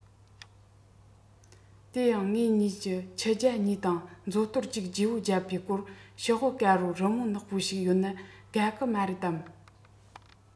དེ ཡང ངེད གཉིས ཁྱི རྒྱའུ གཉིས དང མཚོ དོར གཅིག བརྗེ པོ བརྒྱབ པའི སྐོར ཤོག བུ དཀར པོར རི མོ ནག པོ ཞིག ཡོད ན དགའ གི མ རེད དམ